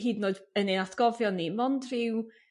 hyd yn oed yn ein atgofion ni mond rhyw